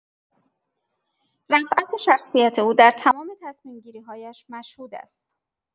رفعت شخصیت او در تمام تصمیم‌گیری‌هایش مشهود است.